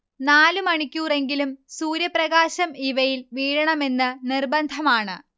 നാല് മണിക്കൂറെങ്കിലും സൂര്യപ്രകാശം ഇവയിൽ വീഴണമെന്ന് നിര്ബന്ധമാണ്